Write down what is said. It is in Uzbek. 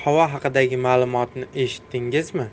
haqidagi ma'lumotni eshitdingizmi